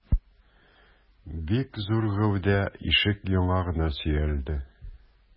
Бик зур гәүдә ишек яңагына сөялде.